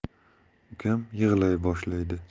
ukam yig'lay boshlaydi